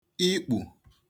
ikpù